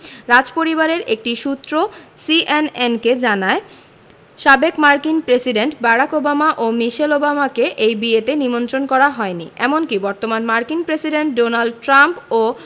রাজপরিবারের একটি সূত্র সিএনএনকে জানায় সাবেক মার্কিন প্রেসিডেন্ট বারাক ওবামা ও মিশেল ওবামাকে এই বিয়েতে নিমন্ত্রণ করা হয়নি এমনকি বর্তমান মার্কিন প্রেসিডেন্ট ডোনাল্ড ট্রাম্প ও